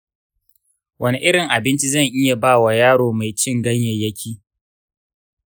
wani irin abinci zan iya ba wa yaro mai cin ganyayyaki?